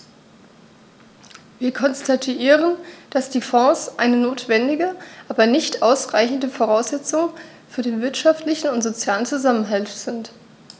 Wir konstatieren, dass die Fonds eine notwendige, aber nicht ausreichende Voraussetzung für den wirtschaftlichen und sozialen Zusammenhalt sind.